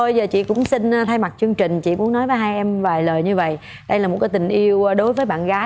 thôi giờ chị cũng xin thay mặt chương trình chị muốn nói với hai em vài lời như vậy đây là một cái tình yêu đối với bạn gái